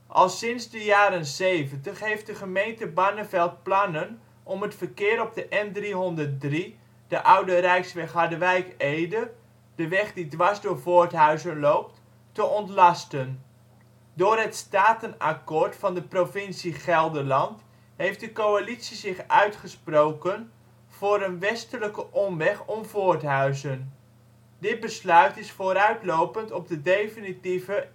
Al sinds de jaren zeventig heeft de gemeente Barneveld plannen om het verkeer op de N303 (Oude Rijksweg Harderwijk-Ede), de weg die dwars door Voorthuizen loopt, te ontlasten. Door het statenakkoord van de Provincie Gelderland heeft de coalitie zich uitgesproken voor een westelijke omweg om Voorthuizen. Dit besluit is vooruitlopend op de definitieve